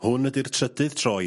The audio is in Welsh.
Hwn ydi'r trydydd tro i...